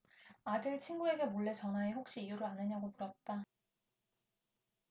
아들 친구에게 몰래 전화해 혹시 이유를 아느냐고 물었다